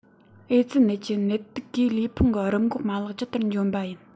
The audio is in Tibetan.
ཨེ ཙི ནད ཀྱི ནད དུག གིས ལུས ཕུང གི རིམས འགོག མ ལག ཇི ལྟར འཇོམས པ ཡིན